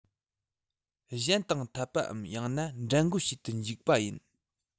གཞན དང འཐབ པའམ ཡང ན འགྲན རྒོལ བྱེད དུ འཇུག པ ཡིན